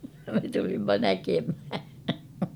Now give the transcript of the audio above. ja me tulimme näkemään